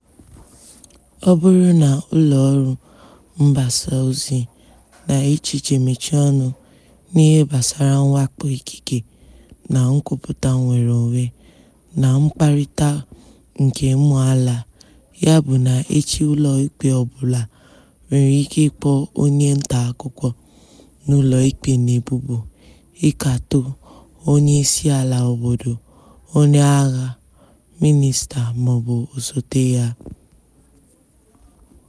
Ọ bụrụ na ụlọọrụ mgbasaozi na echiche mechie ọnụ n'ihe gbasara mwakpo ikike na nkwupụta nnwereonwe na mkpakọrịta nke ụmụ amaala, ya bụ na echi ụlọikpe ọbụla nwere ike ịkpọ onye ntaakụkọ n'ụlọikpe n'ebubo ịkatọ onyeisiala obodo, onyeagha, mịnịsta maọbụ osote ya.